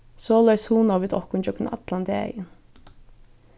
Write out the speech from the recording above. soleiðis hugnaðu vit okkum gjøgnum allan dagin